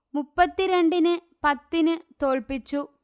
മുപ്പത്തി രണ്ടിന് പത്തിൻതോല്പ്പിച്ചു